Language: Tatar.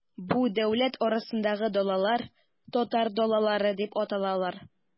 Бу дәүләт арасындагы далалар, татар далалары дип аталган.